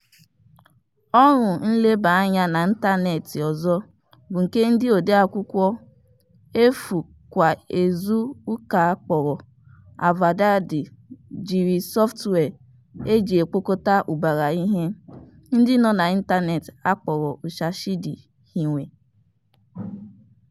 Ọrụ nleba anya n'ịtanetị ọzọ bụ nke ndị ode akwụkwọ efu kwa ezu ụka akpọrọ A Verdade jiri sọftwịa eji ekpokota ụbara ihe ndị nọ n'ịtanet akpọrọ Ushahidi hiwe.